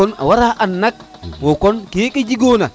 kon wara an nak wo kon keke jegona